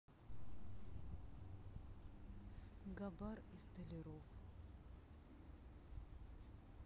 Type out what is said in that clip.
габар и столяров